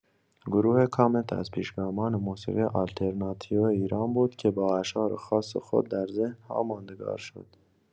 گروه کامنت از پیشگامان موسیقی آلترناتیو ایران بود که با اشعار خاص خود در ذهن‌ها ماندگار شد.